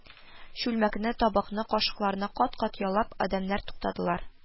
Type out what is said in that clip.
Чүлмәкне, табакны, кашыкларны кат-кат ялап, адәмнәр тукталдылар